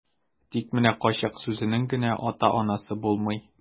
Тик менә кайчак сүзенең генә атасы-анасы булмый.